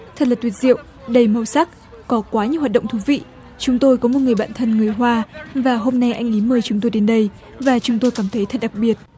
thật là tuyệt diệu đầy màu sắc có quá nhiều hoạt động thú vị chúng tôi có một người bạn thân người hoa và hôm nay anh ý mời chúng tôi đến đây và chúng tôi cảm thấy thật đặc biệt